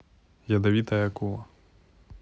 ядовитая акула